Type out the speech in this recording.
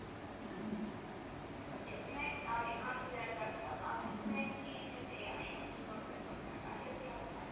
Երբ մեկ տարի անց վերադարձավ, արդեն միայն իր հետ էի աշխատում՝ որպես օգնական և թարգմանիչ։